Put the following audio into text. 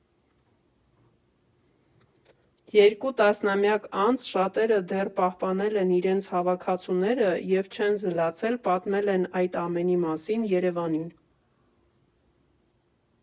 Երկու տասնամյակ անց շատերը դեռ պահպանել են իրենց հավաքածուները և չեն զլացել՝ պատմել են այդ ամենի մասին ԵՐԵՎԱՆին։